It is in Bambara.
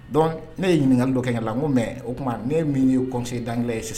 Donc ne ye ɲininkali dɔ kɛ n yɛrɛ la n ko mais o tuma ne min ye conseiller d'anglais ye sisan